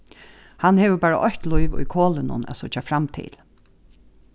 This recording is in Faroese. hann hevur bara eitt lív í kolinum at síggja fram til